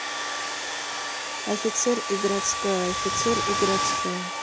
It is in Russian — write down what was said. офицер и городская офицер и городская